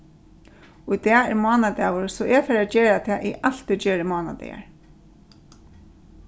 í dag er mánadagur so eg fari at gera tað eg altíð geri mánadagar